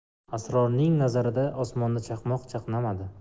asrorning nazarida osmonda chaqmoq chaqnamadi